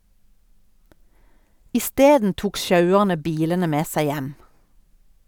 Isteden tok sjauerne bilene med seg hjem.